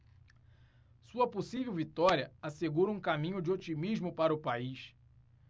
sua possível vitória assegura um caminho de otimismo para o país